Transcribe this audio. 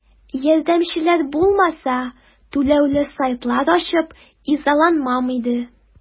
Ярдәмчеләр булмаса, түләүле сайтлар ачып изаланмам инде.